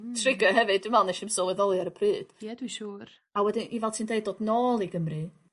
Hmm. ...trigger hefyd dwi me'wl nes i ddim sylweddoli ar y pryd. Ia dwi siwr. A wedyn i fel ti'n deud dod nôl i Gymru